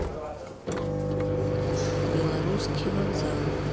белорусский вокзал